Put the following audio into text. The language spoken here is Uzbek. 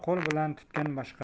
qo'l bilan tutgan boshqa